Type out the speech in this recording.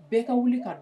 Bɛɛ ka wuli ka